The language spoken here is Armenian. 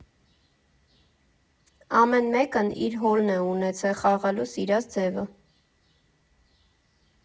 Ամեն մեկն իր հոլն է ունեցել, խաղալու սիրած ձևը։